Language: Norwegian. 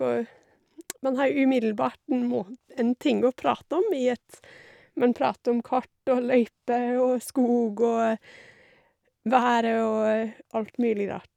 Og man har umiddelbart en må en ting å prate om i at man prater om kart og løyper og skog og været og alt mulig rart.